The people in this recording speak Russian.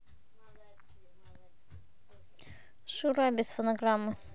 шура без фонограммы